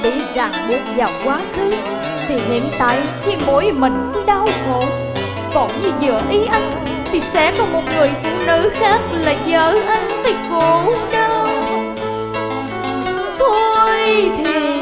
bị ràng buột vào quá khứ thì hiện tại chỉ mỗi mình tôi đau khổ còn như giờ ý anh thì sẽ có một người phụ nữ khác là vợ anh sẽ khổ đau thôi thì